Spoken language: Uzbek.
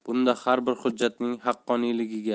bunda har bir hujjatning haqqoniyligiga